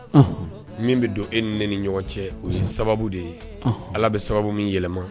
Min bɛ don e ni ne ni ɲɔgɔn cɛ u ye sababu de ye ala bɛ sababu min yɛlɛma